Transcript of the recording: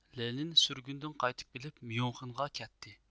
لېنىن سۈرگۈندىن قايتىپ كېلىپ ميۇنخېنغا كەتتى